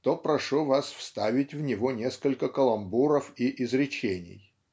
то прошу Вас вставить в него несколько каламбуров и изречений".